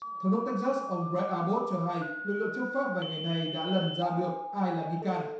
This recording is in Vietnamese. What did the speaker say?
thống đốc tếch dát ông gờ rét a bốt cho hay lực lượng chấp pháp về nghề này đã lần ra được ai là nghi can